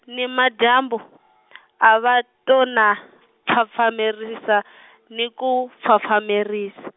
nimadyambu , a va to na, pfhapfhamerisa , ni ku pfhapfhamerisa.